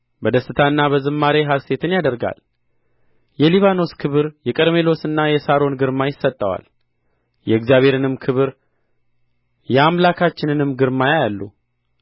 በደስታና በዝማሬ ሐሤትን ያደርጋል የሊባኖስ ክብር የቀርሜሎስና የሳሮን ግርማ ይሰጠዋል የእግዚአብሔርንም ክብር የአምላካችንንም ግርማ ያያሉ